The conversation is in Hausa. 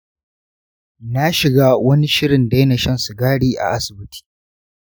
na shiga wani shirin daina shan sigari a asibiti.